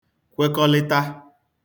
kwekọlịta